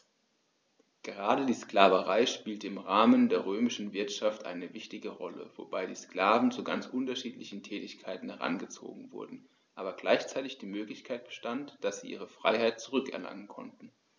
Gerade die Sklaverei spielte im Rahmen der römischen Wirtschaft eine wichtige Rolle, wobei die Sklaven zu ganz unterschiedlichen Tätigkeiten herangezogen wurden, aber gleichzeitig die Möglichkeit bestand, dass sie ihre Freiheit zurück erlangen konnten.